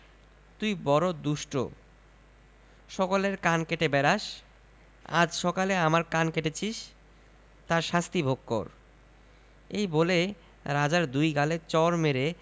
তুই বড়ো দুষ্ট্র সকলের কান কেটে বেড়াস আজ সকালে আমার কান কেটেছিস তার শাস্তি ভোগ কর এই বলে রাজার দুই গালে চড় মেরে